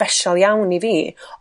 sbeshal iawn i fi